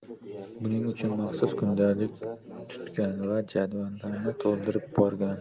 buning uchun maxsus kundalik tutgan va jadvallarni to'ldirib borgan